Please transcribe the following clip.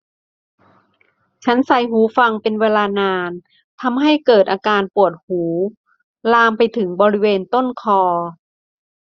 ฉันใส่หูฟังเป็นเวลานานทำให้เกิดอาการปวดหูลามไปถึงบริเวณต้นคอ